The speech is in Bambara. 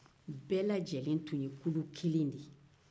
bɛɛ lajɛlen tun ye kulu kelen de ye